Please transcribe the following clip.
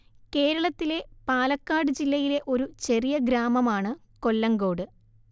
കേരളത്തിലെ പാലക്കാട് ജില്ലയിലെ ഒരു ചെറിയ ഗ്രാമമാണ് കൊല്ലങ്കോട്